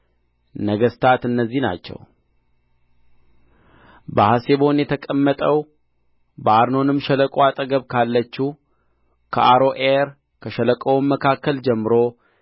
ነገሥታት እነዚህ ናቸው በሐሴቦን የተቀመጠው በአርኖንም ሸለቆ አጠገብ ካለችው ከአሮዔር ከሸለቆውም መካከል ጀምሮ